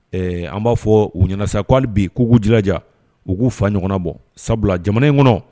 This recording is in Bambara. Ɛɛ an b'a fɔ u ɲɛna k'ale bi kou jiraja u k'u fa ɲɔgɔnna bɔ sabula jamana in kɔnɔ